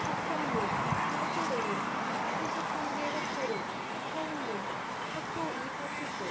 사평로 서초대로 칠십 삼 길 서초로 서운로 서초 이 파출소